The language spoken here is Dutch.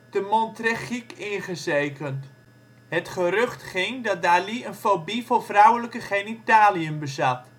te Montrejic ingezegend. Het gerucht ging dat Dalí een fobie voor vrouwelijke genitaliën bezat